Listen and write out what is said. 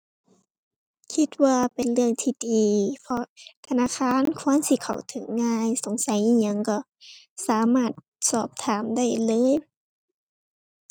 คิดว่าเป็นเรื่องที่ดี เพราะธนาคารควรสิเข้าถึงง่าย สงสัยอิหยังก็สามารถสอบถามได้เลย